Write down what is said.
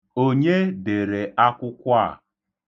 Onye dere akwwụkwọ a?